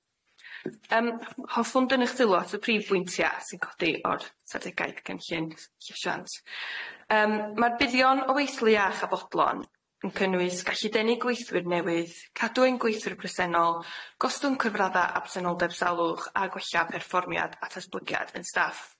Yym hoffwn dynnu'ch sylw at y prif bwyntia' sy'n codi o'r strategaeth cynllun llysiant yym, ma'r buddion o weithle iach a bodlon yn cynnwys gallu denu gweithwyr newydd, cadw ein gweithwyr presennol, gostwng cyfradda absenoldeb salwch a gwella perfformiad a datblygiad yn staff.